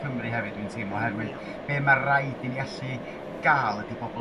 Cymru hefyd dwi'n teimlo oherwydd be mae raid i ni allu ga' ydi pobol